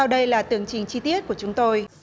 sau đây là tường trình chi tiết của chúng tôi